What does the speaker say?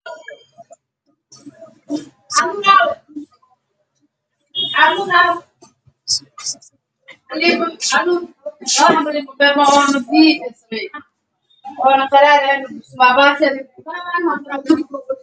Meel masaajid oo dad badan joogaan